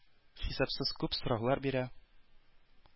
Хисапсыз күп сораулар бирә,